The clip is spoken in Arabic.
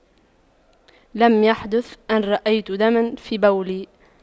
لم يحدث ان رأيت دما في بولي